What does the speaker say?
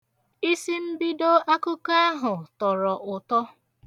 Isimbido akụkọ ahụ tọrọ ụtọ.